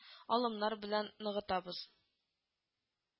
Алымнар белән ныгытабыз